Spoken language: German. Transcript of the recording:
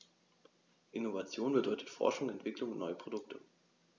Innovation bedeutet Forschung, Entwicklung und neue Produkte.